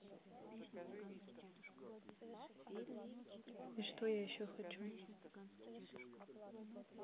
и что я еще хочу